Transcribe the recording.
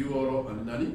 64